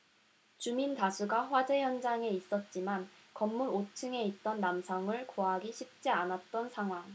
주민 다수가 화재 현장에 있었지만 건물 오 층에 있던 남성을 구하기 쉽지 않았던 상황